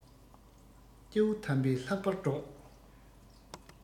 སྐྱེ བོ དམ པས ལྷག པར སྒྲོགས